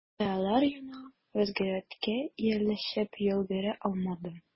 Ә алар яңа вәзгыятькә ияләшеп өлгерә алмады.